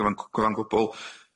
gyfan g- gyfan gwbwl,